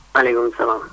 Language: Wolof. maaleykum salaam